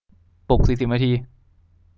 ปลุกสี่สิบนาที